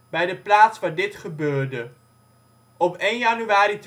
bij de plaats waar dit gebeurde. Op 1 januari